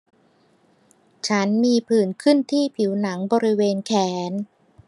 ฉันมีผื่นขึ้นที่ผิวหนังบริเวณแขน